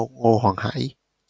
ngô hồng hải